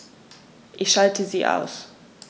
Ich schalte sie aus.